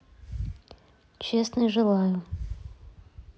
честный желаю